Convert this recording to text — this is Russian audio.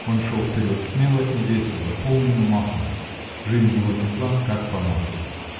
он шел вперед смело и (весело, полным махом жизнь его текла как по маслу.